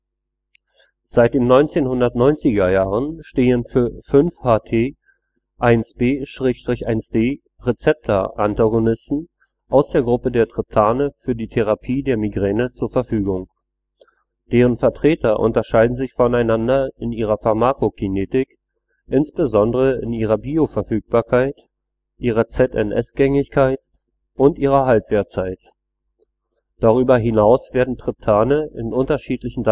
Seit den 1990er Jahren stehen 5-HT1B/1D-Rezeptoragonisten aus der Gruppe der Triptane für die Therapie der Migräne zur Verfügung. Deren Vertreter unterscheiden sich voneinander in ihrer Pharmakokinetik, insbesondere in ihrer Bioverfügbarkeit, ihrer ZNS-Gängigkeit und ihrer Halbwertzeit. Darüber hinaus werden Triptane in unterschiedlichen